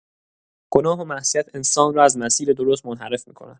گناه و معصیت انسان را از مسیر درست منحرف می‌کند.